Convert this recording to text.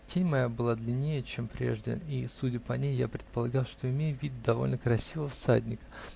Тень моя была длиннее, чем прежде, и, судя по ней, я предполагал, что имею вид довольно красивого всадника